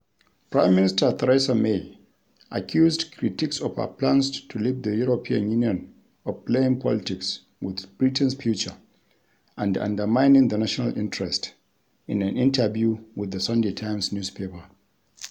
Prime Minister Theresa May accused critics of her plans to leave the European Union of "playing politics" with Britain's future and undermining the national interest in an interview with the Sunday Times newspaper.